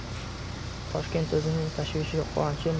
toshkent o'zining tashvishi yu quvonchi